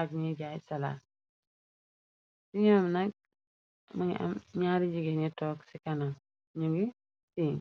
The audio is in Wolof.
ak ñiy jaay salaa si ñoo nag më ngi am ñaari jigée ni toog ci kana ñu ngi siin